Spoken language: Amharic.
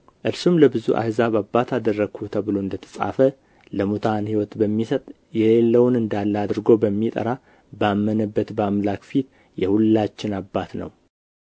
እርሱም ለብዙ አሕዛብ አባት አደረግሁህ ተብሎ እንደ ተጻፈ ለሙታን ሕይወት በሚሰጥ የሌለውንም እንዳለ አድርጎ በሚጠራ ባመነበት በአምላክ ፊት የሁላችን አባት ነው